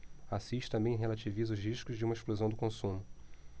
assis também relativiza os riscos de uma explosão do consumo